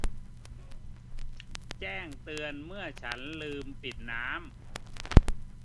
แจ้งเตือนเมื่อฉันลืมปิดน้ำ